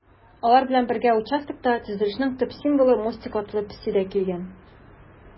Алар белән бергә участокта төзелешнең төп символы - Мостик атлы песи дә килгән.